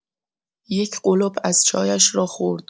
یک قلپ از چایش را خورد.